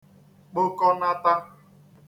kpokọnātā